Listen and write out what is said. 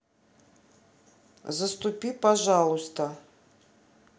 заступи пожалуйста